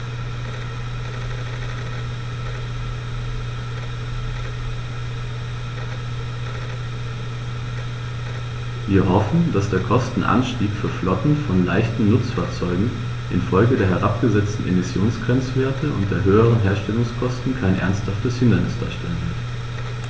Wir hoffen, dass der Kostenanstieg für Flotten von leichten Nutzfahrzeugen in Folge der herabgesetzten Emissionsgrenzwerte und der höheren Herstellungskosten kein ernsthaftes Hindernis darstellen wird.